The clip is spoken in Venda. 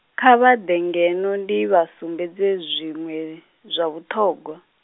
kha vha ḓe ngeno ndi vha sumbedze zwiṅwe, zwa vhuṱhogwa.